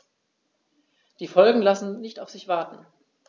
Die Folgen lassen nicht auf sich warten.